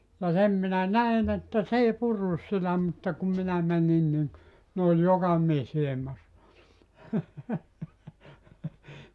ja sen minä näin että se ei purrut sitä mutta kun minä menin niin ne oli joka mies ilmassa